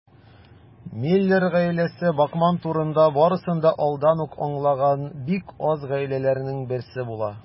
Миллер гаиләсе Бакман турында барысын да алдан ук аңлаган бик аз гаиләләрнең берсе була.